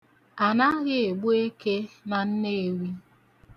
Anaghị egbu eke na Nnewi.